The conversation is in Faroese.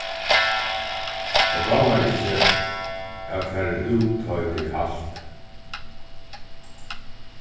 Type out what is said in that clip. mær dámar ikki at fara út tá ið tað er kalt